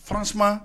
Furu suma